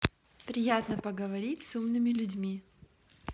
приятно поговорить с умными людьми